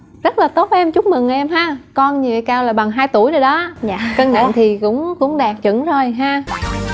rất là tốt em chúc mừng em ha con vậy cao là bằng hai tuổi rồi đó cân nặng thì cũng cũng đạt chuẩn rồi ha